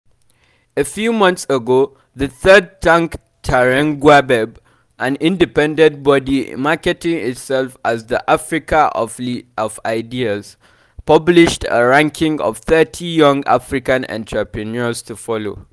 A few months ago, the think-tank Terangaweb, an independent body marketing itself as the “Africa of Ideas”, published a ranking of 30 young African entrepreneurs to follow.